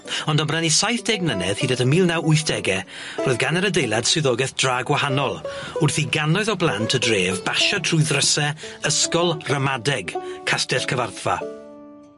Ond o bron i saith deg mlynedd hyd at y mil naw wythdege roedd gan yr adeilad swyddogeth dra gwahanol wrth i gannoedd o blant y dref basio trwy ddryse ysgol ramadeg Castell Cyfarthfa.